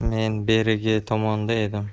men berigi tomonda edim